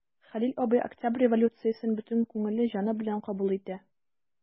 Хәлил абый Октябрь революциясен бөтен күңеле, җаны белән кабул итә.